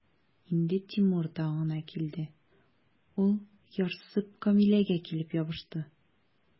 Инде Тимур да аңына килде, ул, ярсып, Камилгә килеп ябышты.